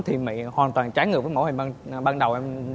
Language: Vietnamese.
thùy mị hoàn toàn trái ngược với mẫu hình ban ban đầu em để